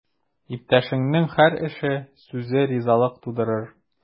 Иптәшеңнең һәр эше, сүзе ризалык тудырыр.